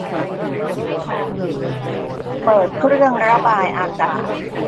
เปิดเครื่องระบายอากาศ